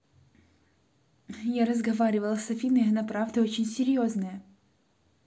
я разговаривала с афиной и она и правда очень серьезная